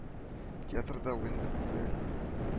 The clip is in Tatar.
Театрда уен бетте